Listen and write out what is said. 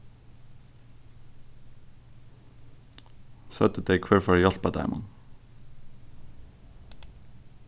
søgdu tey hvør fór at hjálpa teimum